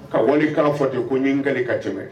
Ka wali k' fɔ de ko ɲin kɛli ka tɛmɛ